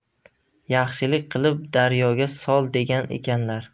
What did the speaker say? yaxshilik qilib daryoga sol degan ekanlar